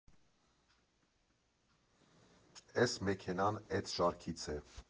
Էս մեքենան՝ էդ շարքից է։